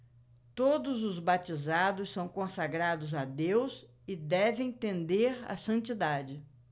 todos os batizados são consagrados a deus e devem tender à santidade